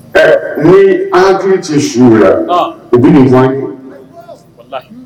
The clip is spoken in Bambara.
Ɛɛ nii an hakili te suw la ɔɔn u bi n'i jɔ an ye walahi